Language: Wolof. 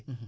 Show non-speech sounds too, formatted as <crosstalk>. <hesitation> <hesitation>